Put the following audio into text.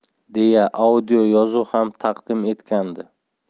deya audioyozuv ham taqdim etgandi